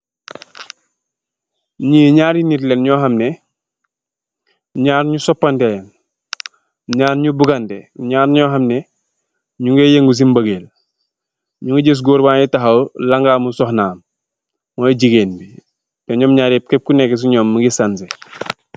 Ñii ñaar nit la ñu, ñu xam ne, ñaar ñu soopante la ñu. Ñaar ñu bugante. Ñaar ñoo xam ne, ñu ngee yëngu si mbëggel. Ñu ngi gis goor baa ngi taxaw, langaamu soxnaam, mooy, jigéen ji. Të ñom ñaar ñiepa ngi sànse.